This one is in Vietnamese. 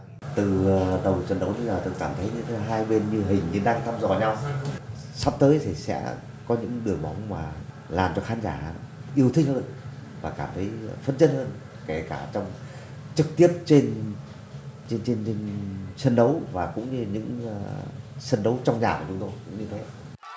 từ đầu trận đấu đến giờ tôi cảm thấy là hai bên như hình như đang thăm dò nhau sắp tới thì sẽ có những đội bóng mà làm cho khán giả yêu thích hơn và cảm thấy phấn chấn hơn kể cả trong trực tiếp trên trên trên sân đấu và cũng như những nhà sân đấu trong nhà của chúng tôi